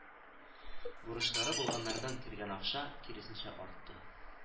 Бурычлары булганнардан кергән акча, киресенчә, артты